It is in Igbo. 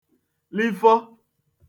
lifọ